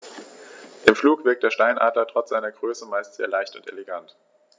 Im Flug wirkt der Steinadler trotz seiner Größe meist sehr leicht und elegant.